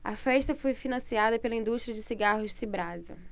a festa foi financiada pela indústria de cigarros cibrasa